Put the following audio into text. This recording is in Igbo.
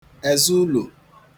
èzụuluo